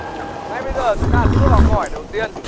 ngay bây giờ chúng ta sẽ bước vào câu hỏi đầu tiên